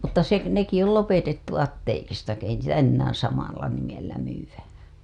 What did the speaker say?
mutta se nekin oli lopetettu apteekista kun ei niitä enää samalla nimellä myydä